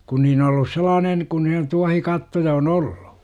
kun niin ollut sellainen kun ne tuohikattoja on ollut